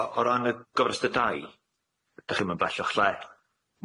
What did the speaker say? O- o ran yy gofrestyr tai dach chi'm yn bell o'ch lle.